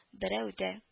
Берәү дә